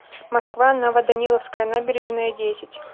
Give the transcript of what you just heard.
москва новоданиловская набережная десять